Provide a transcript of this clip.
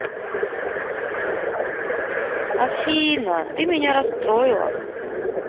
афина ты меня расстроила